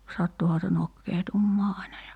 sattuihan se nokeutumaan aina ja